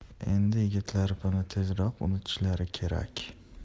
endi yigitlar buni tezroq unutishlari kerak